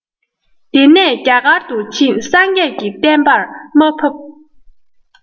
དེ ནས རྒྱ གར དུ ཕྱིན སངས རྒྱས ཀྱི བསྟན པར དམའ ཕབ